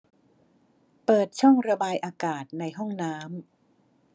เปิดช่องระบายอากาศในห้องน้ำ